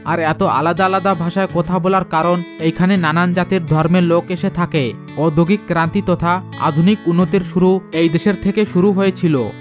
আর এত আলাদা আলাদা ভাষায় কথা বলার কারণ এখানে নানান জাতের ধর্মের লোক এসে থাকে অধৈশিক ক্রান্তি তথা আধুনিক যুগের আধুনিক উন্নত এদেশের থেকে শুরু হয়েছিল